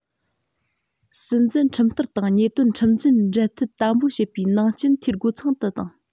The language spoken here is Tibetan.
སྲིད འཛིན ཁྲིམས བསྟར དང ཉེས དོན ཁྲིམས འཛིན འབྲེལ མཐུད དམ པོ བྱེད པའི ནང རྐྱེན འཐུས སྒོ ཚང དུ བཏང